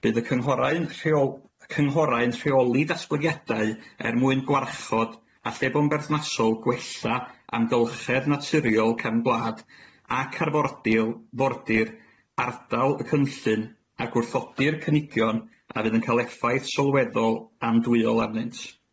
Bydd y cynghorau'n rheo- cynghorau'n rheoli ddatblygiadau er mwyn gwarchod, a lle bo'n berthnasol, gwella amgylchedd naturiol cefn gwlad ac arfordil fordir ardal y cynllun, a gwrthodir cynigion a fydd yn ca'l effaith sylweddol andwyol arnynt.